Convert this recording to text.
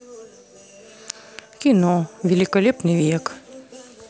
кино великолепный век